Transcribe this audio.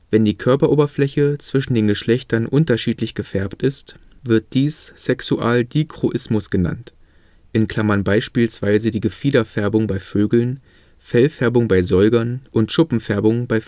Wenn die Körperoberfläche zwischen den Geschlechtern unterschiedlich gefärbt ist, wird dies Sexualdichroismus genannt (beispielsweise die Gefiederfärbung bei Vögeln, Fellfärbung bei Säugern, Schuppenfärbung bei